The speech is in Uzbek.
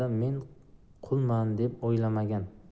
men qulman deb o'ylamagan